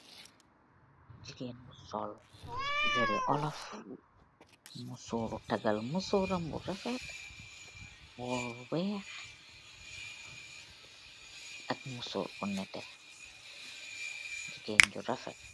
Jigeen bu sol yereh oloh mu souru tagal musoorambu refet woor weex ak musoor u nete jigeen ju refet.